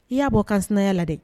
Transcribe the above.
I y'a bɔ ka sinaya la dɛ